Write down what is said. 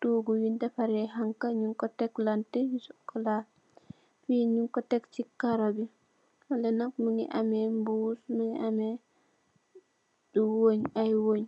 toogu yung defaree xanxa, fii nyung o tek si kar, fale nak mu ngi mbuus, mu ngi amee wenge.